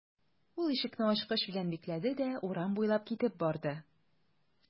Ул ишекне ачкыч белән бикләде дә урам буйлап китеп барды.